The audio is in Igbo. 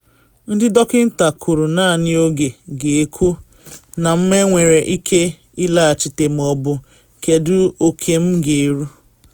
Ndị dọkịnta kwuru naanị oge ga-ekwu na m enwere ike ịlaghachite ma ọ bụ kedu oke m ga-eru.